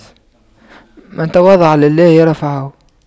من تواضع لله رفعه